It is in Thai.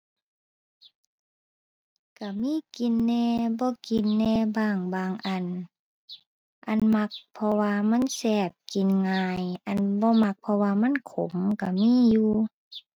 ก็มีกินแหน่ บ่กินแหน่บ้างบางอัน อันมักเพราะว่ามันแซ่บกินง่าย อันบ่มัก เพราะว่ามันขมก็มีอยู่